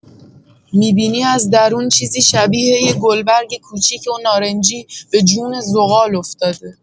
می‌بینی از درون چیزی شبیه یه گلبرگ کوچیک و نارنجی، به جون زغال افتاده.